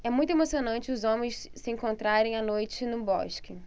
é muito emocionante os homens se encontrarem à noite no bosque